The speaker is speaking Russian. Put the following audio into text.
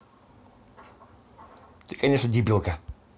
ты конечно дебилка